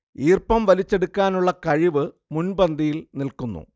ഈർപ്പം വലിച്ചെടുക്കാനുളള കഴിവ് മുൻപന്തിയിൽ നിൽക്കുന്നു